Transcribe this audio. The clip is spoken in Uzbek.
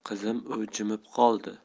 qizim u jimib qoldi